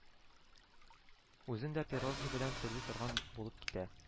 Үзен дә пирожный белән сыйлый торган булып китә